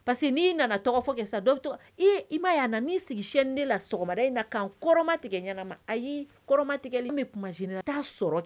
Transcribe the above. Parce que n'i nana tɔgɔ fɔ kɛ sisan dɔw bɛ to ka ee i m'a ye na n'i sigi chaîne 2 de la sɔgɔmada in na k'a n kɔrɔmatigɛ ɲɛnama. Ayi! Kɔrɔma tigɛli ta sɔrɔ de.